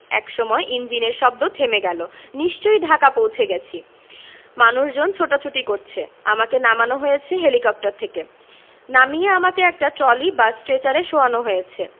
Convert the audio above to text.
একসময় ইঞ্জিনের শব্দ থেমে গেলো নিশ্চয়ই ঢাকা পৌঁছে গেছি মানুষজন ছোটাছুটি করছে আমাকে নামানো হয়েছে হেলিকপ্টার থেকে নামিয়ে আমাকে একটা ট্রলি বা স্ট্রেচারে শোয়ানো হয়েছে